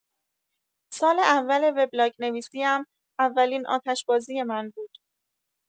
سال اول وبلاگ‌نویسی‌ام اولین آتش‌بازی من بود.